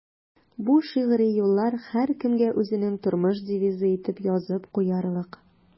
Бу шигъри юллар һәркемгә үзенең тормыш девизы итеп язып куярлык.